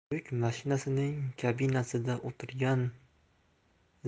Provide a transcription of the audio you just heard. yuk mashinasining kabinasida o'tirgan